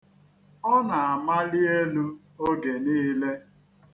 Ọ na-amali elu oge niile.